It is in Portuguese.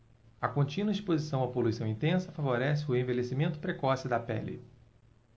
a contínua exposição à poluição intensa favorece o envelhecimento precoce da pele